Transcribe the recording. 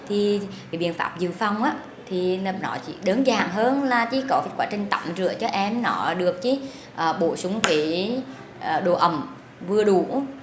thì cái biện pháp dự phòng á thì nó chỉ đơn giản hơn là chỉ có cái quá trình tắm rửa cho em nó được chi ở bổ sung cái độ ẩm vừa đủ